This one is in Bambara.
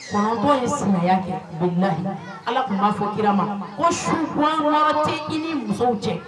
Kɔnɔntɔn yeya kɛ layi ala tun b'a fɔ kira ma ko sukun tɛ i ni musow cɛ